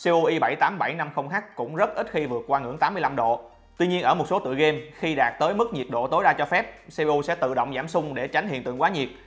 cpu i h cũng rất ít khi vượt qua ngưỡng độ c tuy nhiên ở một số tựa game khi đạt tới mức nhiệt độ tối đa cho phép cpu sẽ tự động giảm xung để tránh hiện tượng quá nhiệt